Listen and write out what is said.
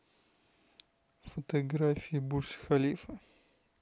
фотографии бурдж халифа